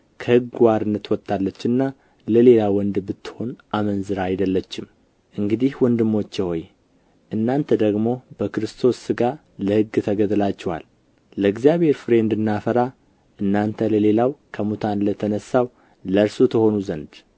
ከሕጉ አርነት ወጥታለችና ለሌላ ወንድ ብትሆን አመንዝራ አይደለችም እንዲሁ ወንድሞቼ ሆይ እናንተ ደግሞ በክርስቶስ ሥጋ ለሕግ ተገድላችኋል ለእግዚአብሔር ፍሬ እንድናፈራ እናንተ ለሌላው ከሙታን ለተነሣው ለእርሱ ትሆኑ ዘንድ